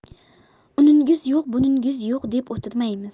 uningiz yo'q buningiz yo'q deb o'tirmaymiz